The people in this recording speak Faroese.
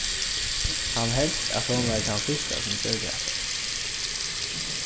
hann helt at hon var tann fyrsta sum gjørdi hatta